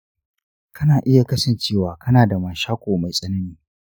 kana iya kasancewa kana da mashako mai tsanani.